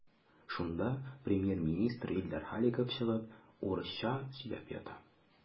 Шунда премьер-министр Илдар Халиков чыгып урысча сөйләп ята.